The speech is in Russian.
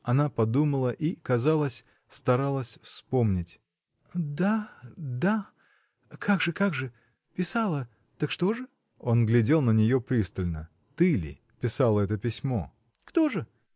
Она подумала и, казалось, старалась вспомнить. — Да. да. как же, как же. писала. так что же? Он глядел на нее пристально. — Ты ли писала это письмо? — Кто же?